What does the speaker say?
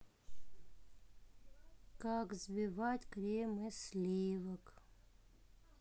как взбить крем из сливок